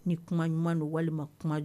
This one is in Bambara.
Ni kuma ɲuman don walima kuma